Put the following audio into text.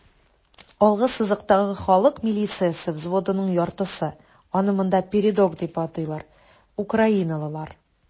Алгы сызыктагы халык милициясе взводының яртысы (аны монда "передок" дип атыйлар) - украиналылар.